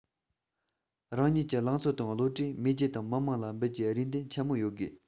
རང ཉིད ཀྱི ལང ཚོ དང བློ གྲོས མེས རྒྱལ དང མི དམངས ལ འབུལ རྒྱུའི རེ འདུན ཆེན མོ ཡོད དགོས